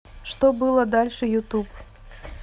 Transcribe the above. что было дальше ютуб